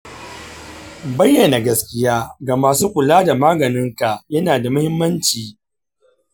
bayyana gaskiya ga masu kula da maganinka yana da muhimmanci.